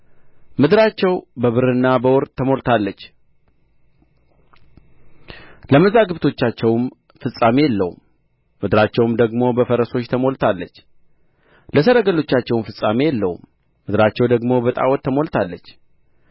ምድራቸው በብርና በወርቅ ተሞልታለች ለመዛግብቶቻቸውም ፍጻሜ የለውም ምድራቸውም ደግሞ በፈረሶች ተሞልታለች ለሠረገሎቻቸውም ፍጻሜ የለውም ምድራቸው ደግሞ በጣዖታት ተሞልታለች